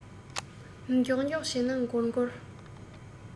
མགྱོགས མགྱོགས བྱས ན འགོར འགོར